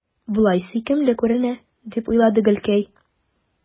Болай сөйкемле күренә, – дип уйлады Гөлкәй.